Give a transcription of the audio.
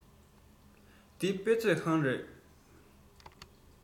འདི དཔེ མཛོད ཁང རེད